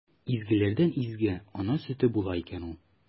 Изгеләрдән изге – ана сөте була икән ул!